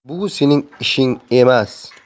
bu sening ishing emas